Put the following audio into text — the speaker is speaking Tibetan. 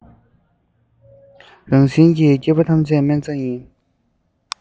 རང བཞིན གྱི སྐྱེས པ ཐམས ཅད སྨན རྩྭ ཡིན